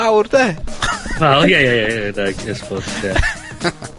awr 'de? Wel ie ie ie ie